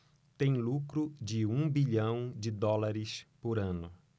tem lucro de um bilhão de dólares por ano